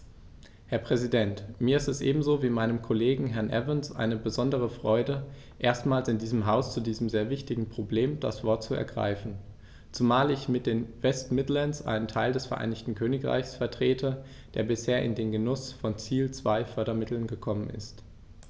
Herr Präsident, mir ist es ebenso wie meinem Kollegen Herrn Evans eine besondere Freude, erstmals in diesem Haus zu diesem sehr wichtigen Problem das Wort zu ergreifen, zumal ich mit den West Midlands einen Teil des Vereinigten Königreichs vertrete, der bisher in den Genuß von Ziel-2-Fördermitteln gekommen ist.